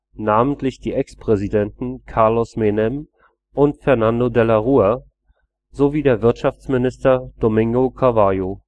namentlich die Ex-Präsidenten Carlos Menem und Fernando de la Rúa sowie der Wirtschaftsminister Domingo Cavallo